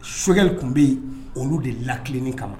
Choguel tun bɛ yen olu de latilenin kama.